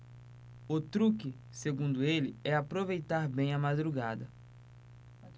o truque segundo ele é aproveitar bem a madrugada